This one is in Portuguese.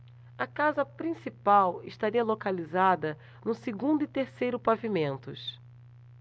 a casa principal estaria localizada no segundo e terceiro pavimentos